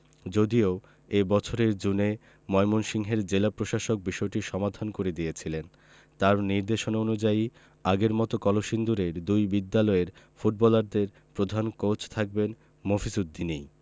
যদিও এ বছরের জুনে ময়মনসিংহের জেলা প্রশাসক বিষয়টির সমাধান করে দিয়েছিলেন তাঁর নির্দেশনা অনুযায়ী আগের মতো কলসিন্দুরের দুই বিদ্যালয়ের ফুটবলারদের প্রধান কোচ থাকবেন মফিজ উদ্দিনই